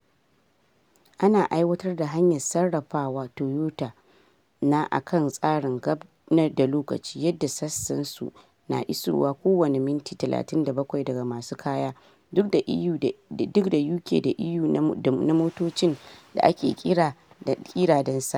Ana aiwatar da hanyar sarrafawar Toyota na akan tsarin “gab-da-lokaci”, yadda sassa su na isowa ko wani minti 37 daga masu kaya duk daga UK da EU na motocin da ake kira dan sari.